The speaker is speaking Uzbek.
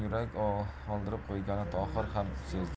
yurak oldirib qo'yganini tohir ham sezdi